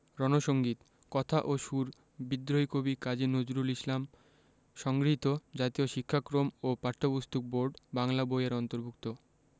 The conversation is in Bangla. রন সঙ্গীত কথা ও সুর বিদ্রোহী কবি কাজী নজরুল ইসলাম সংগৃহীত জাতীয় শিক্ষাক্রম ও পাঠ্যপুস্তক বোর্ড বাংলা বই এর অন্তর্ভুক্ত